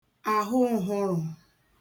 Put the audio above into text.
àhụụ̀hụrụ̀